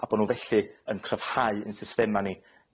a bo' n'w felly yn cryfhau yn systema ni.